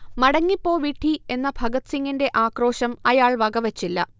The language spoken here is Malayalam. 'മടങ്ങിപ്പോ വിഡ്ഢീ' എന്ന ഭഗത്സിങ്ങിന്റെ ആക്രോശം അയാൾ വകവച്ചില്ല